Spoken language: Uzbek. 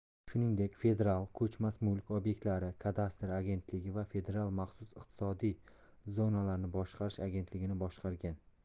shuningdek federal ko'chmas mulk obyektlari kadastri agentligi va federal maxsus iqtisodiy zonalarni boshqarish agentligini boshqargan